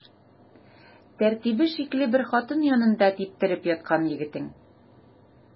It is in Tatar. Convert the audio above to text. Тәртибе шикле бер хатын янында типтереп яткан егетең.